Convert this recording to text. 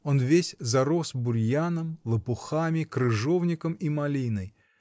Он весь зарос бурьяном, лопухами, крыжовником и малиной